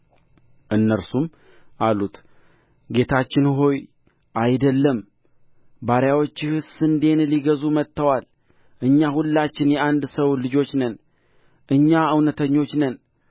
እነርሱም አሉት ጌታችን ሆይ አይደለም ባሪያዎችህ ስንዴን ሊገዙ መጥተዋል እኛ ሁላችን የአንድ ሰው ልጆች ነን እኛ እውነተኞች ነን